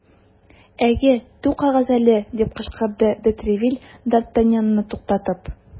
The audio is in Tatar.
Әйе, тукагыз әле! - дип кычкырды де Тревиль, д ’ Артаньянны туктатып.